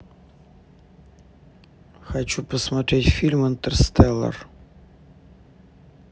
хочу посмотреть фильм интерстеллар